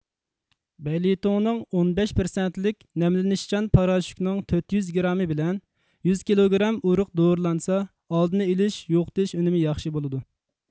بەيلتوڭنىڭ ئون بەش پىرسەنتلىك نەملىنىشچان پاراشوكنىڭ تۆت يۈز گرامى بىلەن يۈز كىلوگرام ئۇرۇق دورىلانسا ئالدىنى ئېلىش يوقىتىش ئۈنۈمى ياخشى بولىدۇ